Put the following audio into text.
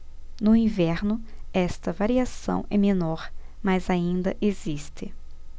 no inverno esta variação é menor mas ainda existe